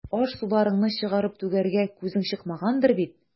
Аш-суларыңны чыгарып түгәргә күзең чыкмагандыр бит.